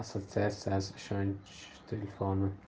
assotsiatsiyasi ishonch telefoni